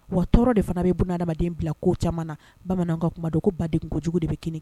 Wa ko tɔɔrɔ de fana bɛ bun Adama den bila ko caaman la, bamananw b'a fɔ ko ba degun ko jugu de bɛ kini kɛ.